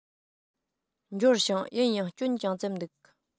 འབྱོར བྱུང ཡིན ཡང སྐྱོན ཅུང ཙམ འདུག